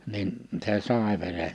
niin se sai veren